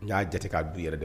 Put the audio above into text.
N y'a jate k'a du yɛrɛ dɛ